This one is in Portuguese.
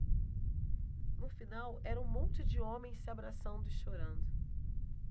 no final era um monte de homens se abraçando e chorando